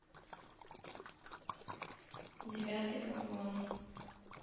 девятый вагон